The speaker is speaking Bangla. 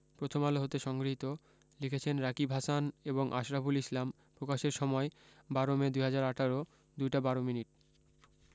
প্রথমআলো হতে সংগৃহীত লিখেছেনঃ রাকিব হাসান এবং আশরাফুল ইসলাম প্রকাশের সময়ঃ ১২মে ২০১৮ ০২ টা ১২ মিনিট